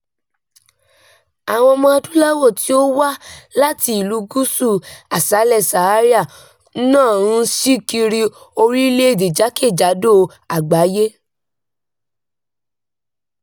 Awọn ọmọ-adúláwọ̀ tí ó wá láti Ìlú Gúúsù Aṣálẹ̀ Sahara náà ń ṣí kiri orílẹ̀-èdè jákèjádò àgbáyé.